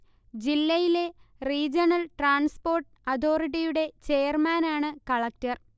ജില്ലയിലെ regional transport അതോറിറ്റിയുടെ ചെയർമാനാണ് കളക്ടർ